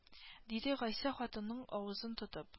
Диде гайса хатынының авызын тотып